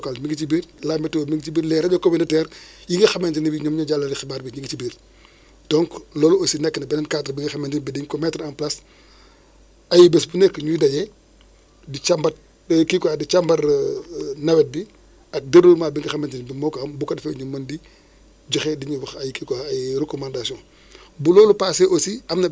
ah 45 jours doyen bi wax na ko léegi ah ak yooyu manioc tamit parce que manioc moom tamit boo ko jiyee suñ si ci ci jamono taw taw bi sax bu jeexee sax moom day continué di màgg dem ba ay janvier sax manioc ji màgg léegi état kii gouvernement bi en général di ministère de l' agriculture ñoom yooyu dañ koy préparé jox ko béykat bi